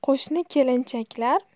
qo'shni kelinchaklar